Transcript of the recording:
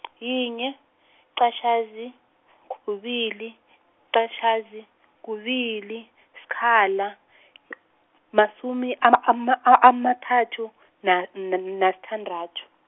yinye, yiqatjhazi, kubili, yiqatjhazi, kubili, sikhala, masumi, ama- ama- a- amathathu, na- n- na- nasithandathu.